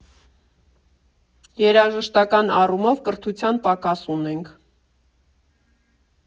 Երաժշտական առումով կրթության պակաս ունենք։